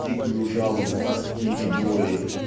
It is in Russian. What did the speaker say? дикую жалобу тоски и боли